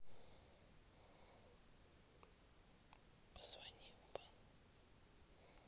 позвони в банк